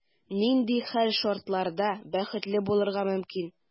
Нинди хәл-шартларда бәхетле булырга мөмкин?